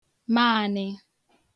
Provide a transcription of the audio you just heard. maānị̄